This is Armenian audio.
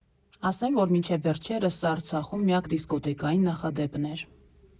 Ասեմ, որ մինչև վերջերս սա Արցախում միակ դիսկոտեկային նախադեպն էր։